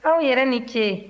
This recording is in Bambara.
aw yɛrɛ ni ce